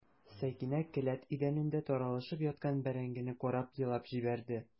Сәкинә келәт идәнендә таралышып яткан бәрәңгегә карап елап җибәрде.